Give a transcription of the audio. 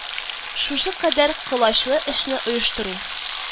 Шушы кадәр колачлы эшне оештыру